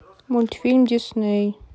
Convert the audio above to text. мультфильм дисней